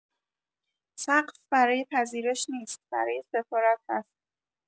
سقف برای پذیرش نیست برای سفارت هست